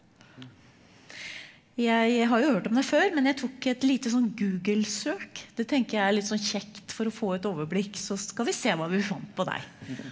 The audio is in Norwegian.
jeg har jo hørt om deg før, men jeg tok et lite sånn Google-søk, det tenker jeg er litt sånn kjekt for å få et overblikk, så skal vi se hva vi fant på deg.